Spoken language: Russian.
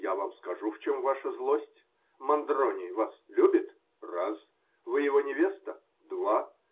Я вам скажу, в чем ваша злость. Мандрони вас любит? Раз. Вы -- его невеста? Два.